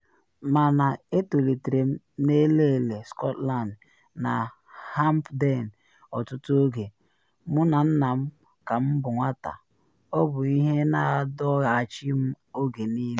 “Mana etolitere m na elele Scotland na Hampden ọtụtụ oge, mụ na nna m ka m bụ nwata, ọ bụ ihe na adọghachi m oge niile.